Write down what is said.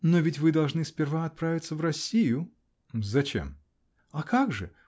-- Но ведь вы должны сперва отправиться в Россию? -- Зачем? -- А как же?